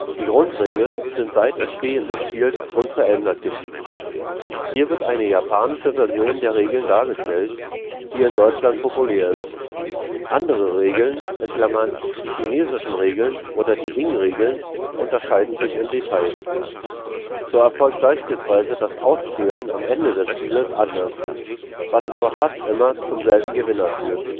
Die Grundregeln sind seit Entstehen des Spiels unverändert geblieben. Hier wird eine japanische Version der Regeln dargestellt, die in Deutschland populär ist. Andere Regeln (die chinesischen Regeln oder die Ing-Regeln) unterscheiden sich in Details. So erfolgt beispielsweise das Auszählen am Ende des Spieles anders, was aber fast immer zum selben Gewinner führt